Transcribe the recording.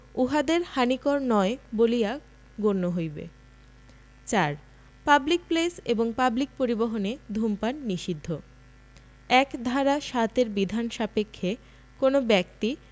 উহাদের হানিকর নয় বলিয়া গণ্য হইবে ৪ পাবলিক প্লেস এবং পাবলিক পরিবহণে ধূমপান নিষিদ্ধ ১ ধারা ৭ এর বিধান সাপেক্ষে কোন ব্যক্তি